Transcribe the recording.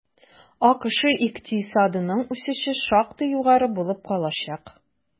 АКШ икътисадының үсеше шактый югары булып калачак.